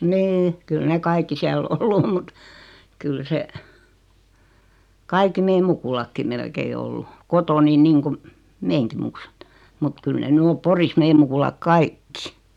niin kyllä ne kaikki siellä ollut on mutta kyllä se kaikki meidän mukulatkin melkein ollut kotoani niin kuin meidänkin muksut mutta kyllä ne nyt on Porissa meidän mukulat kaikki